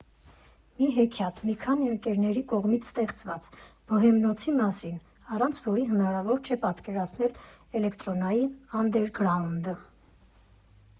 Մի հեքիաթ՝ մի քանի ընկերների կողմից ստեղծված Բոհեմնոցի մասին, առանց որի հնարավոր չէ պատկերացնել էլեկտրոնային անդերգրաունդը։